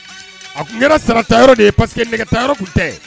A tun kɛra saratayɔrɔ de ye parce que nɛgɛtayɔrɔ tun tɛ